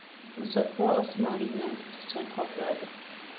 musaffo osmoningni issiq chang qopladi